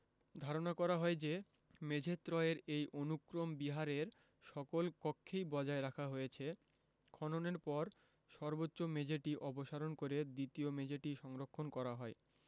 ধারণা করা হয় যে মেঝেত্রয়ের এই অনুক্রম বিহারের সকল কক্ষেই বজায় রাখা হয়েছে খননের পর সর্বোচ্চ মেঝেটি অপসারণ করে দ্বিতীয় মেঝেটি সংরক্ষণ করা হয়